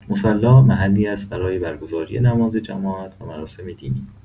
مصلی محلی است برای برگزاری نماز جماعت و مراسم دینی.